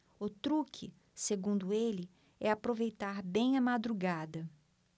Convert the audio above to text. o truque segundo ele é aproveitar bem a madrugada